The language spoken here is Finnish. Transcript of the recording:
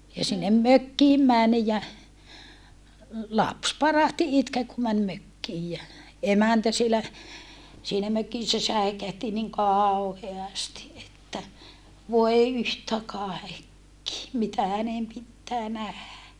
ja sinne mökkiin meni ja lapsi parahti itkemään kun meni mökkiin ja emäntä siellä siinä mökissä säikähti niin kauheasti että voi yhtä kaikki mitä hänen pitää nähdä